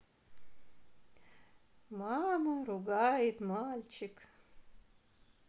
мама ругает мальчик